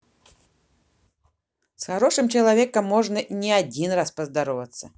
с хорошим человеком можно не один раз поздороваться